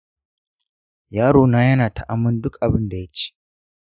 yarona yana ta aman duk abin da ya ci.